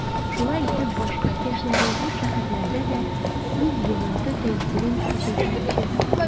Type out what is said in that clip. Шулай итеп башкорт яшьләре зур шәһәрләрдә дә үз йогынты-тәэсирен көчәйтмәкче.